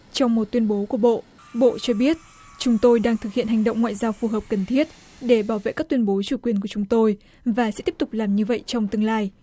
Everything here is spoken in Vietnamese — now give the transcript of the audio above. trong một tuyên bố của bộ bộ cho biết chúng tôi đang thực hiện hành động ngoại giao phù hợp cần thiết để bảo vệ các tuyên bố chủ quyền của chúng tôi và sẽ tiếp tục làm như vậy trong tương lai